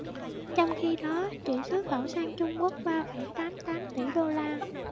trong khi đó chỉ xuất khẩu sang trung quốc ba phẩy tám tám tỷ đô la